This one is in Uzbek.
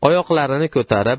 oyoqlarini ko'tarib